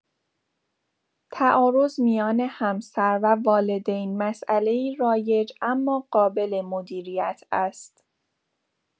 تعارض میان همسر و والدین مسئله‌ای رایج اما قابل مدیریت است.